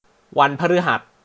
วันพฤหัส